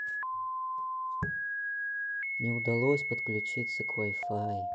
не удалось подключиться к wi fi